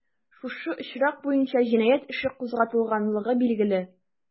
Шушы очрак буенча җинаять эше кузгатылганлыгы билгеле.